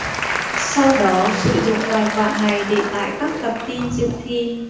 sau đó sử dụng tài khoản này để tải các tập tin dự thi